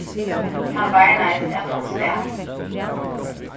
hann varnaðist at hon svav